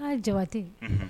Aa jabate